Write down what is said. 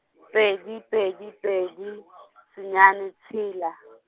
pedi pedi pedi, senyane tshela.